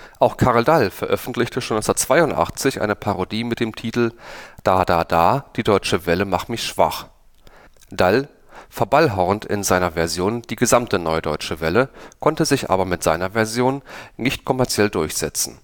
Auch Karl Dall veröffentlichte schon 1982 eine Parodie mit dem Titel „ Da da da – Die Deutsche Welle macht mich schwach “. Dall verballhornt in seiner Version die gesamte Neue Deutsche Welle, konnte sich mit seiner Version jedoch nicht kommerziell durchsetzen